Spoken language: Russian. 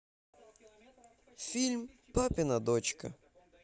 фильм папина дочка